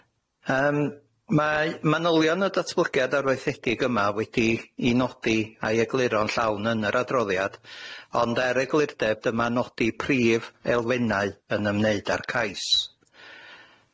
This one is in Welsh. Yym mae manylion y datblygiad arweithiedig yma wedi'i nodi a'i egluro'n llawn yn yr adroddiad, ond er eglurdeb dyma nodi prif elfennau yn ymwneud â'r cais.